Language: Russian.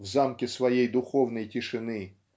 в замке своей духовной тишины.